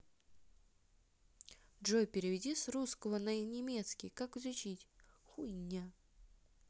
джой переведи с русского на немецкий как изучить хуйня